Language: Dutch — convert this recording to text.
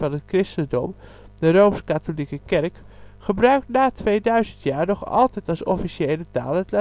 het christendom, de Rooms-Katholieke Kerk gebruikt na 2000 jaar nog altijd als officiële taal het